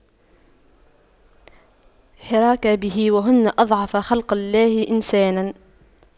حراك به وهن أضعف خلق الله إنسانا